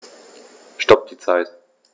Stopp die Zeit